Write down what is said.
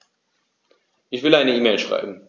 Ich will eine E-Mail schreiben.